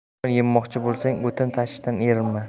non yemoqchi bo'lsang o'tin tashishdan erinma